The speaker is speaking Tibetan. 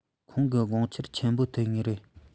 ཁོང གི དགོངས འཆར ཆེན པོ ཐེབས ངེས རེད